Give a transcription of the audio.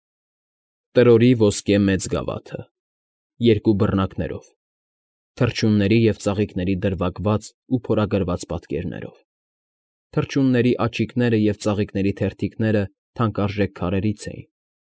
Տրորի ոսկե մեծ գավաթը, երկու բռնակներով, թռչունների և ծաղիկների դրվագված ու փորագրված պատկերներով, թռչունների աչիկները և ծաղիկների թերթիկները թանկարժեք քարերից էին։